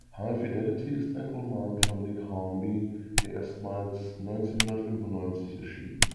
High Fidelity ist ein Roman von Nick Hornby, der erstmals 1995 erschien